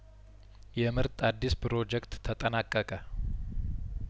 የምርጥ አዲስ ፕሮጀክት ተጠናቀቀ